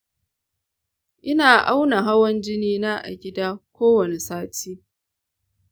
ina auna hawan jini na a gida kowane sati.